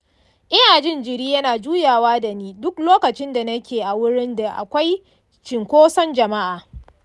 ina jin jiri yana juyawa da ni duk lokacin da nake a wurin da akwai cinkoson jama'a.